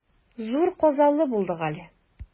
Зур казалы булдык әле.